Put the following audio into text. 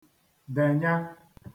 dènya